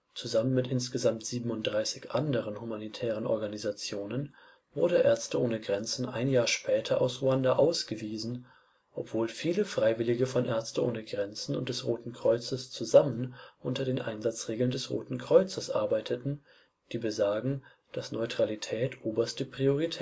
Zusammen mit insgesamt 37 anderen humanitären Organisationen wurde Ärzte ohne Grenzen ein Jahr später aus Ruanda ausgewiesen, obwohl viele Freiwillige von Ärzte ohne Grenzen und des Roten Kreuzes zusammen unter den Einsatzregeln des Roten Kreuzes arbeiteten, die besagen, dass Neutralität oberste Priorität